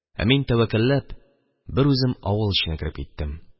Ә мин, тәвәкәлләп, берүзем авыл эченә кереп киттем.